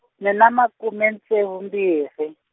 ni na makume ntsevu mbirhi.